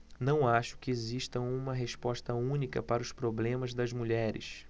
não acho que exista uma resposta única para os problemas das mulheres